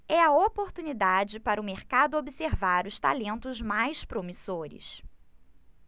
é a oportunidade para o mercado observar os talentos mais promissores